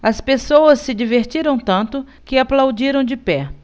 as pessoas se divertiram tanto que aplaudiram de pé